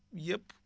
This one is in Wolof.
yëpp